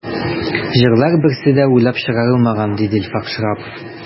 “җырлар берсе дә уйлап чыгарылмаган”, диде илфак шиһапов.